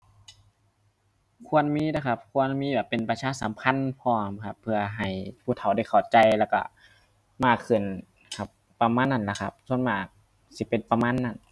ควรมีเด้อครับ ควรมีแบบ เป็นประชาสัมพันธ์พร้อมครับ เพื่อให้ผู้เฒ่าได้เข้าใจแล้วก็ มากขึ้น ครับ ประมาณนั้นนะครับ ส่วนมากสิเป็นประมาณนั้น